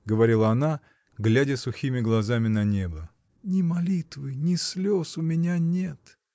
— говорила она, глядя сухими глазами на небо, — ни молитвы, ни слез у меня нет!